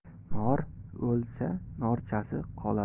nor o'lsa norchasi qolar